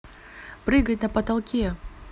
прыгать на потолке